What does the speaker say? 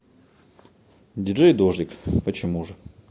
dj дождик почему же